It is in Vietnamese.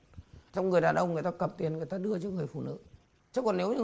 trong người đàn ông người ta cầm tiền người ta đưa cho người phụ nữ chứ còn nếu